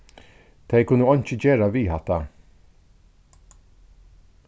tey kunnu einki gera við hatta